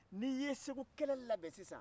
n'i ye segu kɛlɛ labɛn sisan